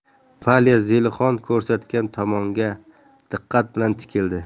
valya zelixon ko'rsatgan tomonga diqqat bilan tikildi